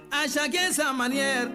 A si kɛ sanmaniya